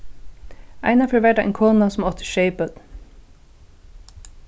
einaferð var tað ein kona sum átti sjey børn